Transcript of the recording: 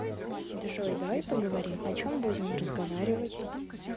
джой давай поговорим о чем будем разговаривать